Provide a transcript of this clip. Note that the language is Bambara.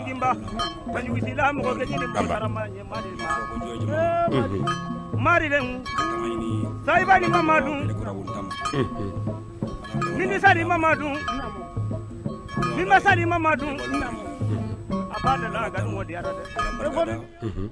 Ma ma dun ma dun